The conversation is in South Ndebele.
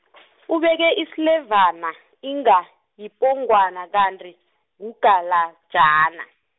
ubeke isilevana, inga yipongwana kanti, ngugalajana.